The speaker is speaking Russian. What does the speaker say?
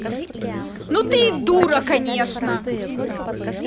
ну ты и дура конечно